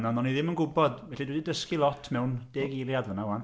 Ond o'n i ddim yn gwybod, felly dwi 'di dysgu lot mewn deg eiliad fan'na 'wan.